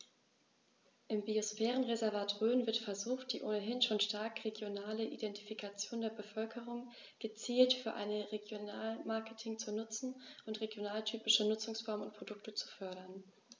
Im Biosphärenreservat Rhön wird versucht, die ohnehin schon starke regionale Identifikation der Bevölkerung gezielt für ein Regionalmarketing zu nutzen und regionaltypische Nutzungsformen und Produkte zu fördern.